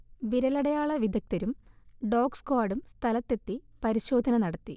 വിരലടയാള വിദഗ്ധരും ഡോഗ്സ്ക്വാഡും സ്ഥലത്ത് എത്തി പരിശോധന നടത്തി